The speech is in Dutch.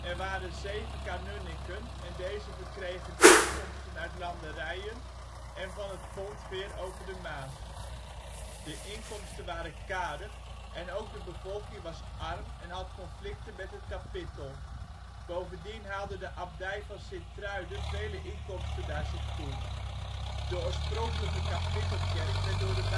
Er waren 7 kanunniken en deze verkregen inkomsten uit landerijen en van het pontveer over de Maas. De inkomsten waren karig en ook de bevolking was arm en had conflicten met het kapittel. Bovendien haalde de Abdij van Sint-Truiden vele inkomsten naar zich toe. De oorspronkelijke kapittelkerk werd door de